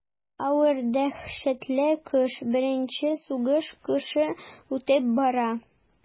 Авыр дәһшәтле кыш, беренче сугыш кышы үтеп бара.